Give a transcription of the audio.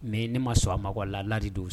Mais ne ma sɔn a ma la laada de don.